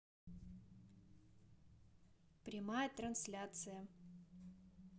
прямая трансляция